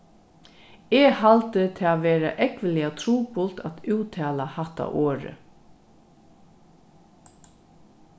eg haldi tað vera ógvuliga trupult at úttala hatta orðið